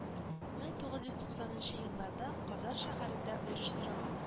Бер мең тугыз йөз туксанынчы елларда казан шәһәрендә оештырыла